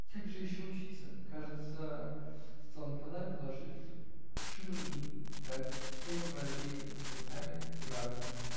-- Как же еще учиться, кажется, -- сказал Николай, положив шило и протягивая обеими руками дратвы.